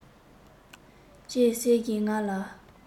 ཅེས ཟེར བཞིན ང ལ